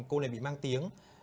cô này bị mang tiếng